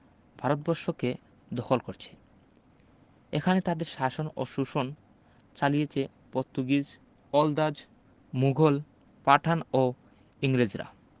ভারতবর্ষকে দখল করছে এখানে তাদের শাসন ও শোষণ চালিয়েছে পর্তুগিজ ওলদাজ মুঘল পাঠান ও ইংরেজরা